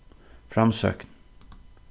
framsókn